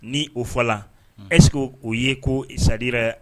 Ni o fɔra est-ce que o ye ko c'est à dire